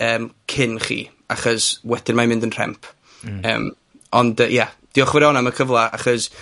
Yym, cyn chi, achos, wedyn mae'n mynd yn rhemp... Hmm. ...yym ond yy ia. Diolch fawr iawn am y cyfla, achos...